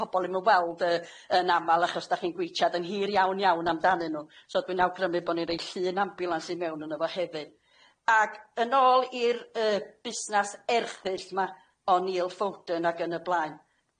pobol yn n'w weld yy yn amal achos dach chi'n gwitchad yn hir iawn iawn amdanyn nw so dwi'n awgrymu bo' ni'n rei llun ambiwlans i mewn yno fo hefyd ag yn ôl i'r yy busnas erchyll ma' yy o Neill Fouden ag yn y blaen